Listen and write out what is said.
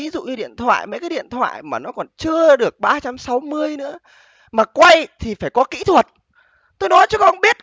ví dụ như điện thoại mấy cái điện thoại mà nó còn chưa được ba trăm sáu mươi nữa mà quay thì phải có kỹ thuật tôi nói cho các ông biết